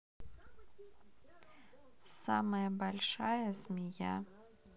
самая большая змея